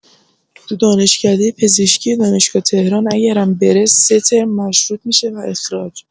تو دانشکده پزشکی دانشگاه تهران اگرم بره سه ترم مشروط می‌شه و اخراج